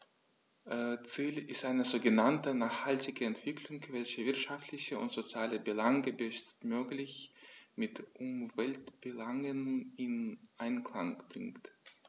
Ziel ist eine sogenannte nachhaltige Entwicklung, welche wirtschaftliche und soziale Belange bestmöglich mit Umweltbelangen in Einklang bringt.